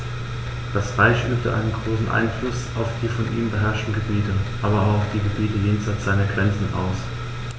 Das Reich übte einen großen Einfluss auf die von ihm beherrschten Gebiete, aber auch auf die Gebiete jenseits seiner Grenzen aus.